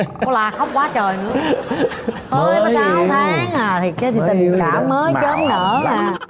có la khóc quá trời nữa mới có sáu tháng à thì cái thiệt tình cảm mới chớm nở mà